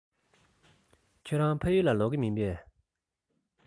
ཁྱེད རང ཕ ཡུལ ལ ལོག གི མིན པས